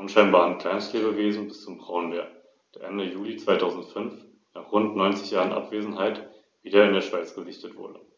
war bis ca. 1900 auch die Bezeichnung Goldadler für ausgewachsene Steinadler gebräuchlich.